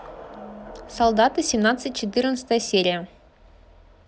солдаты семнадцать четырнадцатая серия